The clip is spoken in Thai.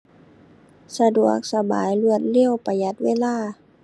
สะดวกสบาย รวดเร็ว ประหยัดเวลา